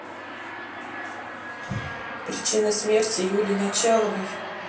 причина смерти юлии началовой